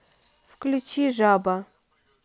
включи жаба